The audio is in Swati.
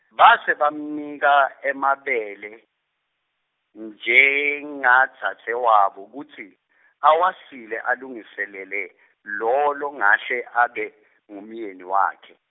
base bamnika emabele njengadzadzewabo kutsi, awasile alungiselele, lowo longahle abe ngumyeni wakhe.